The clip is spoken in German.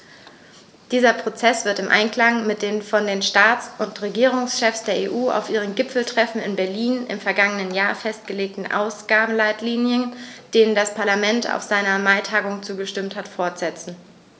Dieser Prozess wird im Einklang mit den von den Staats- und Regierungschefs der EU auf ihrem Gipfeltreffen in Berlin im vergangenen Jahr festgelegten Ausgabenleitlinien, denen das Parlament auf seiner Maitagung zugestimmt hat, fortgesetzt.